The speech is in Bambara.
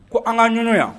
Ko an ka ɲ yan